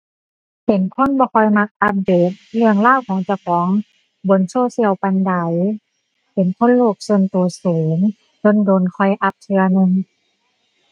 เป็นคนบ่ค่อยมักอัปเดตเรื่องราวของเจ้าของบนโซเชียลปานใด เป็นคนโลกส่วนตัวสูง โดนโดนค่อยอัปเทื่อหนึ่ง